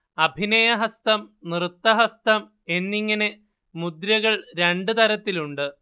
അഭിനയഹസ്തം, നൃത്തഹസ്തം എന്നിങ്ങനെ മുദ്രകൾ രണ്ട് തരത്തിലുണ്ട്